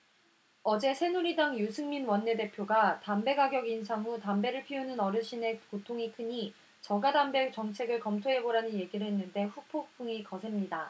어제 새누리당 유승민 원내대표가 담배가격 인상 후 담배를 피우는 어르신들의 고통이 크니 저가담배 정책을 검토해보라는 얘길 했는데 후폭풍이 거셉니다